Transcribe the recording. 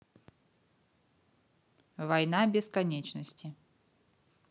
война бесконечности